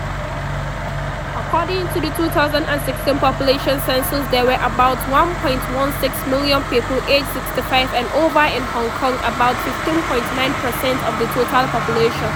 According to the 2016 population census, there were about 1.16 million people aged 65 and over in Hong Kong—about 15.9 per cent of the total population.